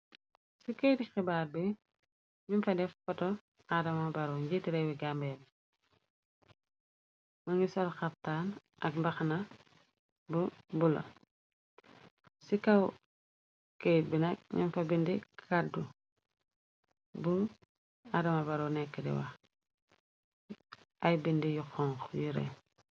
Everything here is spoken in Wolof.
Ci keyti xibaar bi ñyun fa def foto Adama Barrow njeeti réewi Gambia bi mogi sol xabfaan ak mbaxna bu bulo ci kaw keyt bi nak nyun fa binda kàddu bu Adama Barrow neka diwax ay binda yu xong yu ree.